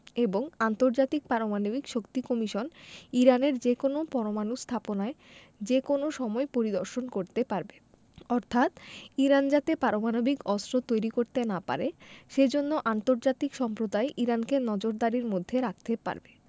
এবং আন্তর্জাতিক পরমাণু শক্তি কমিশন ইরানের যেকোনো পরমাণু স্থাপনায় যেকোনো সময় পরিদর্শন করতে পারবে অর্থাৎ ইরান যাতে পারমাণবিক অস্ত্র তৈরি করতে না পারে সে জন্য আন্তর্জাতিক সম্প্রদায় ইরানকে নজরদারির মধ্যে রাখতে পারবে